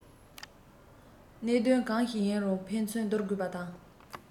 གནད དོན གང ཞིག ཡིན རུང ཕན ཚུན སྡུར དགོས པ དང